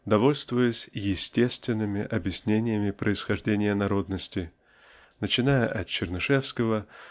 довольствуясь "естественными" объяснениями происхождения народности (начиная от Чернышевского